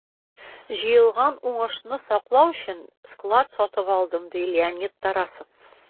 Җыелган уңышны саклау өчен склад сатып алдым, - ди Леонид Тарасов.